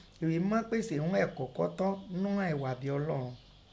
Èghé mímọ́ pèsè ún ẹ̀kọ́ kọ́ tọ́ nínnú ẹ̀ghà bí ọlọ́un